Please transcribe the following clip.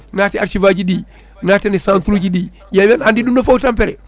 naati archive aji ɗi naaten e centre uji ɗi ƴewen andi ƴum ƴon foof ko tampere